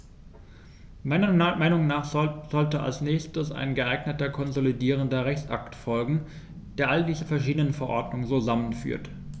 Meiner Meinung nach sollte als nächstes ein geeigneter konsolidierender Rechtsakt folgen, der all diese verschiedenen Verordnungen zusammenführt.